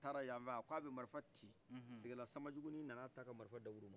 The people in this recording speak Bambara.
a taara yanfɛ a k'abi marifa ci sɛgala sanba juguni nana ta a ka marifa daburuma